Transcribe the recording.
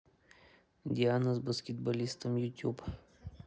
диана с баскетболистом ютуб